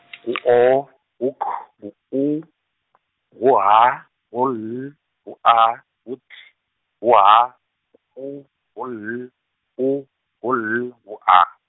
ngu O, ngu K, ngu U , ngu H, ngu L, ngu A, ngu T, ngu H, ngu U, ngu L, U, ngu L , ngu A.